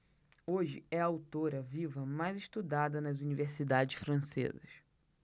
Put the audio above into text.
hoje é a autora viva mais estudada nas universidades francesas